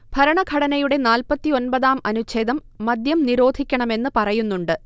ഭരണഘടനയുടെ നാല്പ്പത്തിയൊന്പതാം അനുഛേദം മദ്യം നിരോധിക്കണമെന്ന് പറയുന്നുണ്ട്